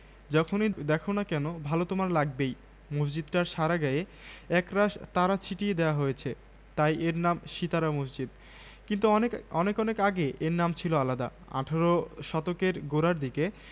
কিন্তু কোন দেবতার কৌতূকহাস্যের মত অপরিমিত চঞ্চলতা নিয়ে আমাদের পাড়ায় ঐ ছোট মেয়েটির জন্ম মা তাকে রেগে বলে দস্যি বাপ তাকে হেসে বলে পাগলি